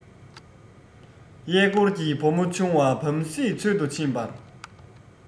གཡས བསྐོར གྱིས བུ མོ ཆུང བ བམ སྲིད འཚོལ དུ ཕྱིན པར